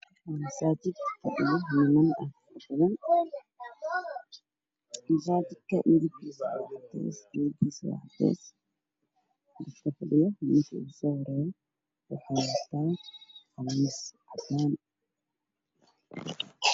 Waa masajid fadhiya niman badan masajidga kalarkis waa cades nimanga usohoreya waxow wata qamiis cadan